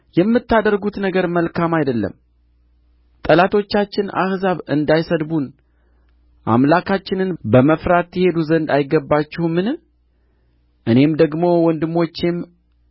የምታደርጉት ነገር መልካም አይደለም ጠላቶቻችን አሕዛብ እንዳይሰድቡን አምላካችንን በመፍራት ትሄዱ ዘንድ አይገባችሁምን እኔም ደግሞ ወንድሞቼም